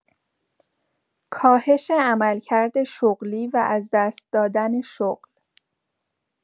کاهش عملکرد شغلی و از دست دادن شغل